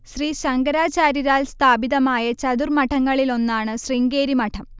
ശ്രീശങ്കരാചാര്യരാൽ സ്ഥാപിതമായ ചതുർമ്മഠങ്ങളിൽ ഒന്നാണ് ശൃംഗേരി മഠം